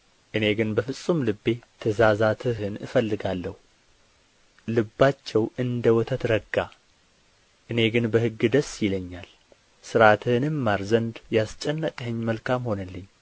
እኔ ግን በፍጹም ልቤ ትእዛዛትህን እፈልጋለሁ ልባቸው እንደ ወተት ረጋ እኔ ግን በሕግህ ደስ ይለኛል ሥርዓትህን እማር ዘንድ ያስጨነቅኸኝ መልካም ሆነልኝ